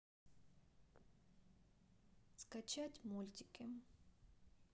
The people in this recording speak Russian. скачать мультики